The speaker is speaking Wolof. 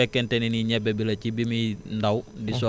bu fekkente ni nii ñebe bi la ci bi muy ndaw